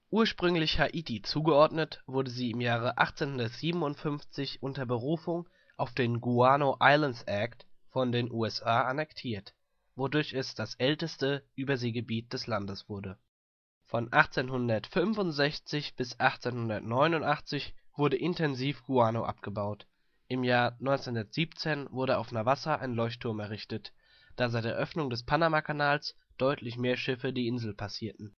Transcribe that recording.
Ursprünglich Haiti zugeordnet, wurde sie im Jahre 1857 unter Berufung auf den Guano Islands Act von den USA annektiert, wodurch es das älteste Überseegebiet des Landes wurde. Von 1865 bis 1889 wurde intensiv Guano abgebaut. Im Jahr 1917 wurde auf Navassa ein Leuchtturm errichtet, da seit Eröffnung des Panamakanals deutlich mehr Schiffe die Insel passierten